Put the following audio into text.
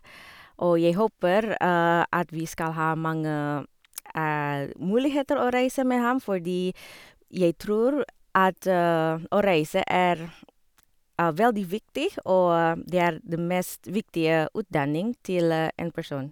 Og jeg håper at vi skal ha mange muligheter å reise med ham, fordi jeg tror at å reise er veldig viktig, og det er det mest viktige utdanning til en person.